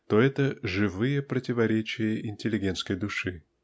то это -- живые противоречия интеллигентской души.